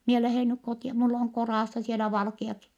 minä lähden nyt kotia minulla on kodassa siellä valkeakin